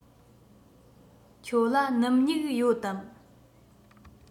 ཁྱོད ལ སྣུམ སྨྱུག ཡོད དམ